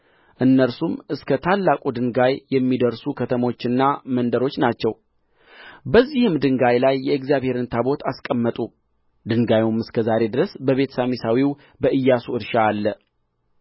እነርሱም እስከ ታላቁ ድንጋይ የሚደርሱ ከተሞችና መንደሮች ናቸው በዚህም ድንጋይ ላይ የእግዚአብሔርን ታቦት አስቀመጡ ድንጋዩም እስከ ዛሬ ድረስ በቤትሳሚሳዊው በኢያሱ እርሻ አለ